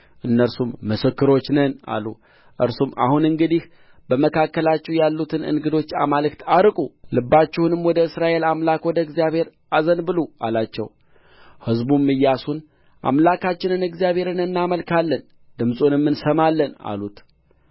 እነርሱም ምስክሮች ነን አሉ እርሱም አሁን እንግዲህ በመካከላችሁ ያሉትን እንግዶች አማልክት አርቁ ልባችሁንም ወደ እስራኤል አምላክ ወደ እግዚአብሔር አዘንብሉ አላቸው ሕዝቡም ኢያሱን አምላካችንን እግዚአብሔርን እናመልካለን ድምፁንም እንሰማለን አሉት